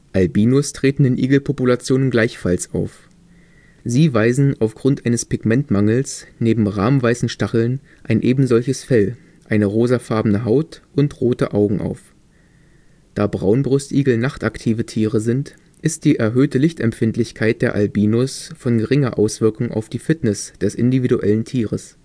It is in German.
Albinos treten in Igelpopulationen gleichfalls auf. Sie weisen aufgrund eines Pigmentmangels neben rahmweißen Stacheln ein ebensolches Fell, eine rosafarbene Haut und rote Augen auf. Da Braunbrustigel nachtaktive Tiere sind, ist die erhöhte Lichtempfindlichkeit der Albinos von geringer Auswirkung auf die Fitness des individuellen Tieres